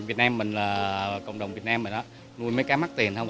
việt nam mình là cộng đồng việt nam á nuôi mấy cá mắc tiền không à